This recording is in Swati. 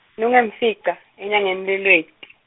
tiyimfica enyangeni yeLweti.